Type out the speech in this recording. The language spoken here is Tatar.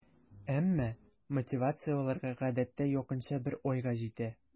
Әмма мотивация аларга гадәттә якынча бер айга җитә.